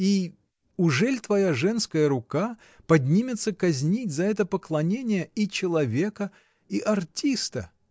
И. ужели твоя женская рука поднимется казнить за это поклонение — и человека, и артиста!.